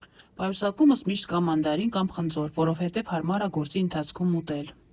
Պայուսակումս միշտ կա մանդարին կամ խնձոր, որովհետև հարմար ա գործի ընթացքում ուտել։